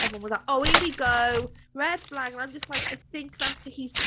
Everyone was like, "Oh here we go, red flag!" And I'm just like I think that's... he's...